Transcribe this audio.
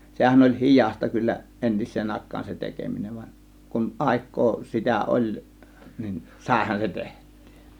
sehän oli hidasta kyllä entiseen aikaan se tekeminen vaan kun aikaa sitä oli niin saihan se tehtyä